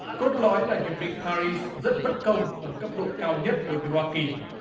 cốt lõi là hiệp định pa ri rất bất công ở cấp độ cao nhất đối với hoa kỳ